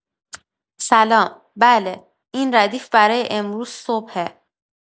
سلام، بله، این ردیف برای امروز صبحه.